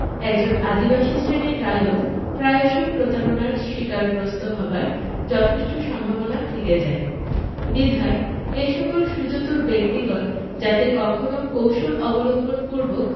একজন আদিবাসী শ্রেণীর রায়ত প্রায়শ প্রতারণার শিকারগ্রস্ত হবার যথেষ্ট সম্ভাবনা থেকে যায় বিধায় এসকল সুচতুর ব্যক্তিগণ যাতে কখনো কৌশল অবলম্বনপূর্বক